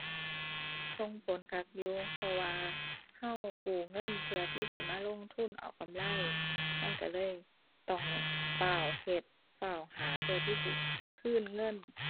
ส่งผลคักอยู่ เพราะว่าเรากู้เงินเพื่อที่สิมาลงทุนเอากำไร มันเราเลยต้องฟ้าวเฮ็ด ฟ้าวหา เพื่อที่สิคืนเงิน